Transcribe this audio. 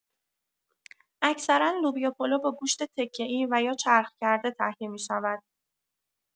اکثرا لوبیا پلو با گوشت تکه‌ای و یا چرخ کرده تهیه می‌شود.